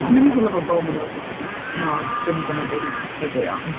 Ti'n mynd i rhywle fel Dominos a yy na, dim dyna be' yw pitsa go iawn.